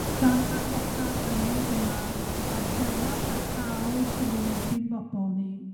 'Dan yr amoda' anodd yma, a'r heria' parhaol sy'n wynebu'n bobol ni,